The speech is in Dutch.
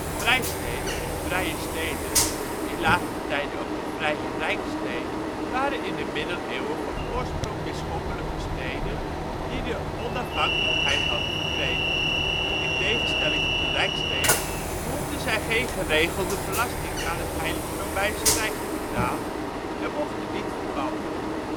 Vrijsteden of vrije steden, in later tijden ook wel vrije Rijkssteden, waren in de Middeleeuwen van oorsprong bisschoppelijke steden die de onafhankelijkheid hadden verkregen. In tegenstelling tot de Rijkssteden behoefden zij geen geregelde belasting aan het Heilige Roomse Rijk te betalen en mochten niet verpand worden